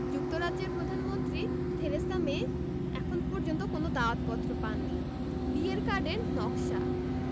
যুক্তরাজ্যের প্রধানমন্ত্রী Theresa May এখন পর্যন্ত কোনো দাওয়াতপত্র পাননি বিয়ের কার্ডের নকশা